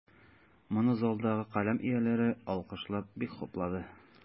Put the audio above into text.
Моны залдагы каләм ияләре, алкышлап, бик хуплады.